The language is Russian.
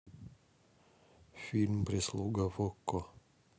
фильм прислуга в окко